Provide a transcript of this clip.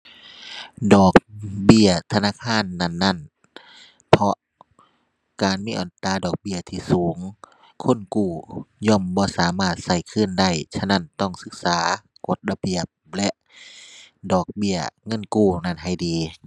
ดอกเบี้ยธนาคารนั้นนั้น เพราะการมีอัตราดอกเบี้ยที่สูง คนกู้ย่อมบ่สามารถใช้คืนได้ ฉะนั้นต้องศึกษากฎระเบียบและ ดอกเบี้ยเงินกู้นั้นให้ดี